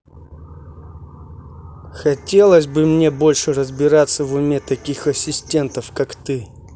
хотелось бы мне больше разбираться в уме таких ассистентов как ты